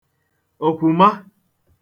òkwùma